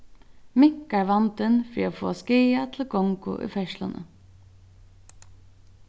minkar vandin fyri at fáa skaða til gongu í ferðsluni